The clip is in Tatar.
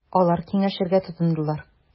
Алар киңәшергә тотындылар.